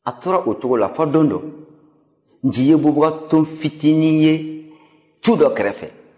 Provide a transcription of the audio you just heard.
a tora o cogo la fɔ don dɔ nci ye bubaganton fitinin ye tu dɔ kɛrɛfɛ